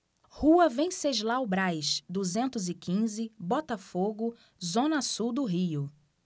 rua venceslau braz duzentos e quinze botafogo zona sul do rio